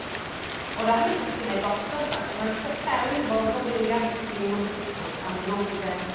O ran y testune gosod falle mai Preseli Waldo Williams yw'r cyswllt amlwg ynde?